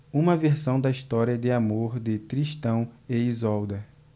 uma versão da história de amor de tristão e isolda